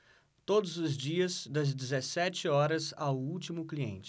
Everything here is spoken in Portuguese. todos os dias das dezessete horas ao último cliente